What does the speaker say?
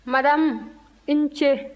madame i ni ce